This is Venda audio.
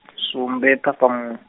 sumbe Ṱhafamuhwe.